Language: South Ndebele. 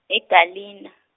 e- Garlina.